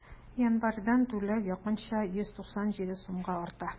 Январьдан түләү якынча 197 сумга арта.